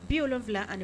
Bilon wolonwula ani